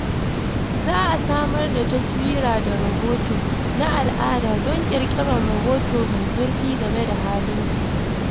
Za a samar da taswira da rahoto na al'ada don ƙirƙirar hoto mai zurfi game da halin su.